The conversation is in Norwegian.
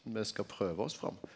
me skal prøva oss fram.